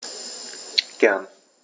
Gern.